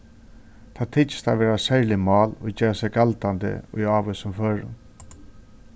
tað tykist at vera serlig mál ið gera seg galdandi í ávísum førum